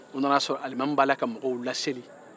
u nana sɔrɔ alimami b'a la ka mɔgɔw laseli